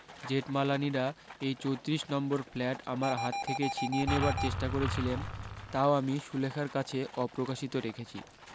জেঠমালানিরা এই চোত্রিশ number flat আমার হাত থেকে ছিনিয়ে নেবার চেষ্টা করেছিলেন তাও আমি সুলেখার কাছে অপ্রকাশিত রেখেছি